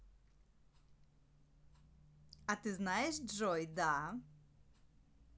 а ты знаешь джой да